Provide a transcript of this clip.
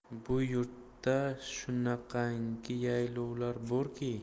bu yurtda shunaqangi yaylovlar borki